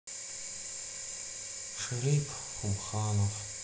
шарип умханов